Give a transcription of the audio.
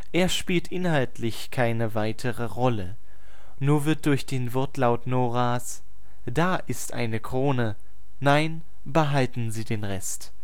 Er spielt inhaltlich keine weitere Rolle. Nur wird durch den Wortlaut Noras „ Da ist eine Krone. Nein – behalten Sie den Rest “dem Zuschauer